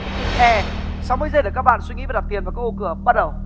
tự e sáu mươi giây để các bạn suy nghĩ và đặt tiền vào các ô cửa bắt đầu